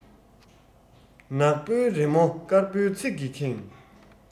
ནག པོའི རི མོ དཀར པོའི ཚིག གིས ཁེངས